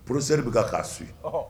Porosri bɛ ka k'a su ye